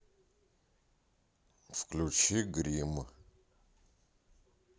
включи гримм